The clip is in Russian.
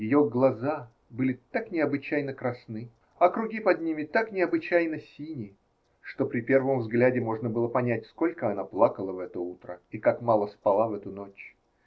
Ее глаза были так необычайно красны, а круги под ними так необычайно сини, что при первом взгляде можно было понять, сколько она плакала в это утро и как мало спала в эту ночь.